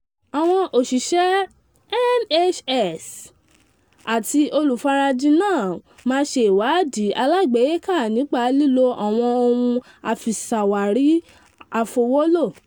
Àwọn òṣìṣẹ́ NHS àti olùfarajìn náà máa ṣe ìwádìí alágbèéká nípa lílo àwọn ohun àfiṣàwarí àfọwọ́lò.